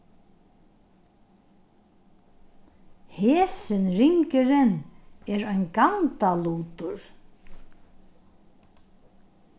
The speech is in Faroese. hesin ringurin er ein gandalutur